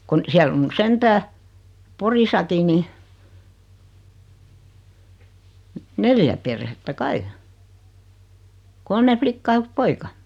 kun siellä on nyt sentään Porissakin niin neljä perhettä kai kolme likkaa ja yksi poika